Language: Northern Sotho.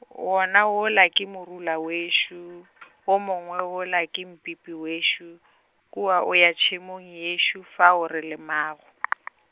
o na o la ke morula wešo , o mongwe o la ke Mpipi wešo, kwa o ya tšhemo yešo fao re lemago .